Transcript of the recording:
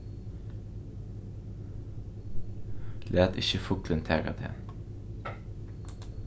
lat ikki fuglin taka tað